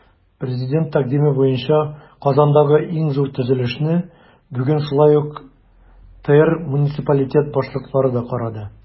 Президент тәкъдиме буенча Казандагы иң зур төзелешне бүген шулай ук ТР муниципалитет башлыклары да карады.